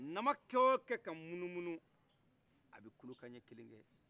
nama kɛ o kɛ ka n munumunu a bɛ kulokan ɲɛ kelen kɛ